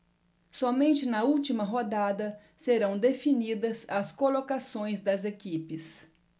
somente na última rodada serão definidas as colocações das equipes